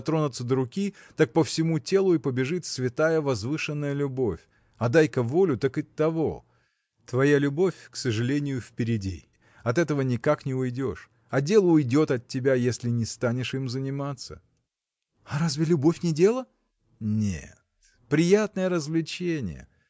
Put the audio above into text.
дотронутся до руки – так по всему телу и побежит святая возвышенная любовь а дай-ка волю так и того. Твоя любовь, к сожалению, впереди от этого никак не уйдешь а дело уйдет от тебя если не станешь им заниматься. – Да разве любовь не дело? – Нет приятное развлечение